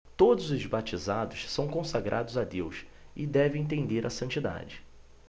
todos os batizados são consagrados a deus e devem tender à santidade